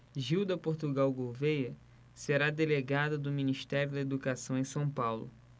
gilda portugal gouvêa será delegada do ministério da educação em são paulo